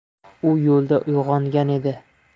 u yo'lda uyg'ongan edi